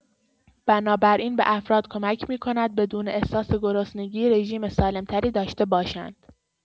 بنابراین به افراد کمک می‌کند بدون احساس گرسنگی، رژیم سالم‌تری داشته باشند.